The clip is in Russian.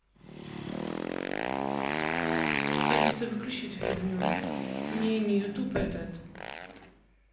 алиса выключи эту фигню не не youtube этот